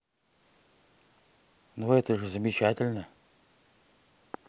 ну это же замечательно